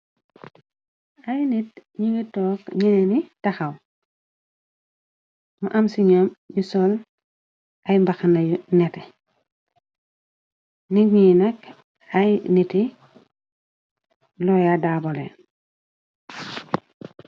Ay nit ñi ngi tóóg ñenen ni taxaw mu am si ñom ñu sol ay mbaxna yu neteh nit ñuy nak ay niti Loya Darbó lèèn.